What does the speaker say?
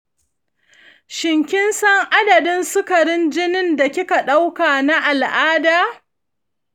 shin kin san adadin sukarin jini da ake ɗauka na al’ada?